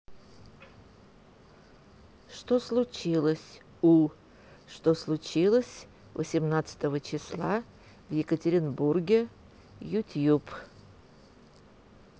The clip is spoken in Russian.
что случилось у что случилось восемнадцатого числа в екатеринбурге youtube